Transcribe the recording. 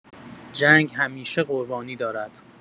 جنگ همیشه قربانی دارد.